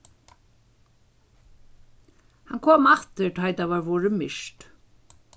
hann kom aftur tá ið tað var vorðið myrkt